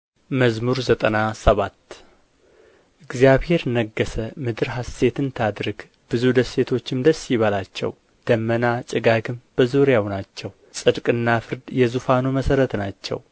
መዝሙር ዘጠና ሰባት እግዚአብሔር ነገሠ ምድር ሐሤትን ታድርግ ብዙ ደሴቶችም ደስ ይበላቸው ደመና ጭጋግም በዙሪያው ናቸው ጽድቅና ፍርድ የዙፋኑ መሠረት ናቸው